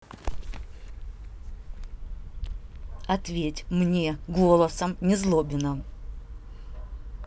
ответь мне голосом незлобина